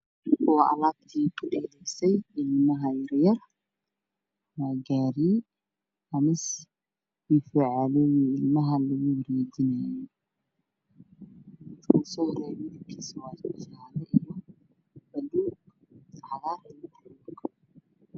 Waa gaari ilmaha yararka lagu ciyaarsiiyo wuxuu yaalaa meel waddo ah waxaa watocan yar oo laba jirin ruwata fanaanada cadaan ah